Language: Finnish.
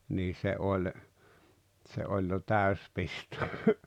niin se oli se oli jo täysi pisto